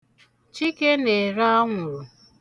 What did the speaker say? Chike na-ere anwụrụ.